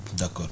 d' accord